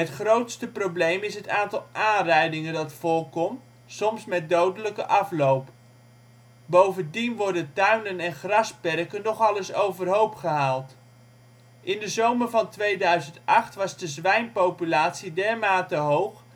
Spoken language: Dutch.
grootste probleem is het aantal aanrijdingen dat voorkomt, soms met dodelijke afloop. Bovendien worden tuinen en grasperken nogal eens overhoop gehaald. In de zomer van 2008 was de zwijnpopulatie dermate hoog